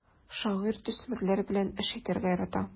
Шагыйрь төсмерләр белән эш итәргә ярата.